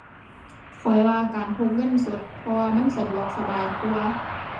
ข้อยว่าการพกเงินสด เพราะว่ามันสะดวกสบายกว่า